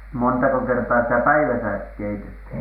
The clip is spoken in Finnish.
montako kertaa sitä päivässä keitettiin